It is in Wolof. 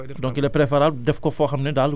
du sonal nit mais boo koy def sa ginnaaw kër nga koy def